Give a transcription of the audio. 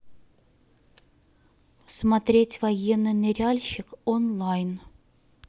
смотреть военный ныряльщик онлайн